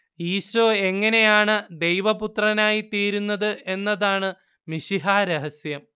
ഈശോ എങ്ങനെയാണ് ദൈവപുത്രനായി തീരുന്നത് എന്നതാണ് മിശിഹാരഹസ്യം